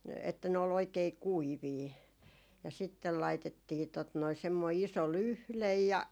että ne oli oikein kuivia ja sitten laitettiin tuota noin semmoinen iso lyhde ja